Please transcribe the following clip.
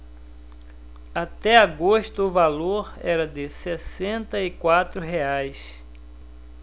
até agosto o valor era de sessenta e quatro reais